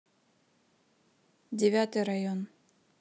девятый район